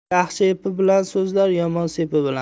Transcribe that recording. yaxshi epi bilan so'zlar yomon sepi bilan